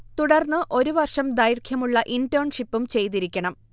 തുടർന്ന് ഒരു വർഷം ദൈർഘ്യമുള്ള ഇന്റേൺഷിപ്പും ചെയ്തിരിക്കണം